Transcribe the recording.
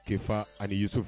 Cɛfa ani Yusufu